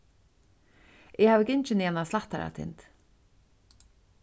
eg havi gingið niðan á slættaratind